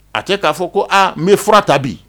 A cɛ k'a fɔ ko aa n bɛ fura ta bi